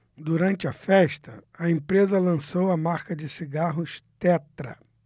durante a festa a empresa lançou a marca de cigarros tetra